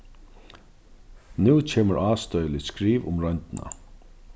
nú kemur ástøðiligt skriv um royndina